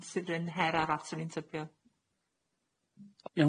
Yym sy'n rin her arall swn i'n tybio.